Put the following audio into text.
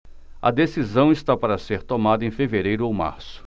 a decisão está para ser tomada em fevereiro ou março